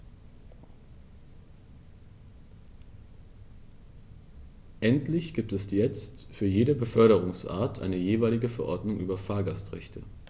Endlich gibt es jetzt für jede Beförderungsart eine jeweilige Verordnung über Fahrgastrechte.